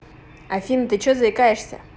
афина ты че заикаешься